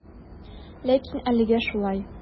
Ләкин әлегә шулай.